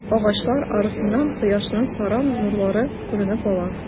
Агачлар арасыннан кояшның саран нурлары күренеп ала.